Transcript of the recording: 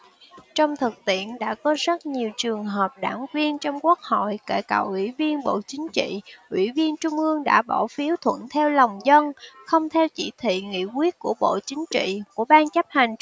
trong thực tiễn đã có rất nhiều trường hợp đảng viên trong quốc hội kể cả ủy viên bộ chính trị ủy viên trung ương đã bỏ phiếu thuận theo lòng dân không theo chỉ thị nghị quyết của bộ chính trị của ban chấp hành